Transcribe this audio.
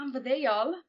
anfyddeuol.